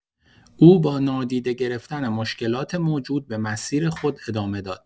او با نادیده گرفتن مشکلات موجود، به مسیر خود ادامه داد.